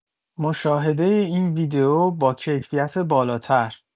مشاهده این ویدئو باکیفیت بالاتر